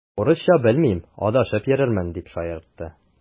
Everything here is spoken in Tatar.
Урысча белмим, адашып йөрермен, дип шаяртты.